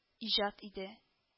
Иҗат иде